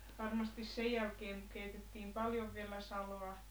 varmasti sen jälkeen keitettiin paljon vielä salaa